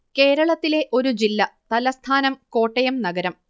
കേരളത്തിലെ ഒരു ജില്ല തലസ്ഥാനം കോട്ടയം നഗരം